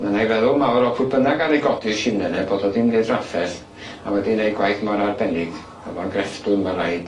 Ma' arna'i feddwl mawr o pw' bynnag ddaru godi'r shimne 'ne bod o 'di mynd i draffeth a wedi neud gwaith mor arbennig o'dd o'n grefftwr ma' raid.